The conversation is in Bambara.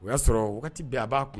O y'a sɔrɔ waati bɛɛ a b'a kun